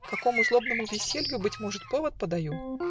Какому злобному веселью, Быть может, повод подаю!